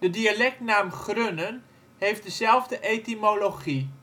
dialectnaam Grunnen heeft dezelfde etymologie